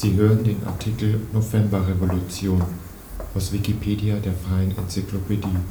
hören den Artikel Novemberrevolution, aus Wikipedia, der freien Enzyklopädie